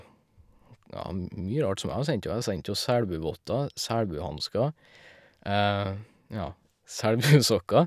Ja, m mye rart som jeg har sendt ho, jeg har sendt ho selbuvotter, selbuhansker, ja, selbusokker.